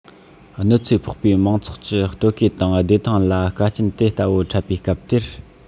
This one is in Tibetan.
གནོད འཚེ ཕོག པའི མང ཚོགས ཀྱི ལྟོ གོས དང བདེ ཐང ལ དཀའ རྐྱེན དེ ལྟ བུ འཕྲད པའི སྐབས དེར